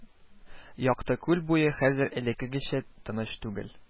Якты күл буе хәзер элеккечә тыныч түгел